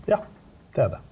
ja det er det.